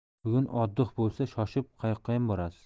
bugun oddix bo'lsa shoshib qayoqqayam borasiz